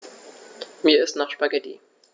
Mir ist nach Spaghetti.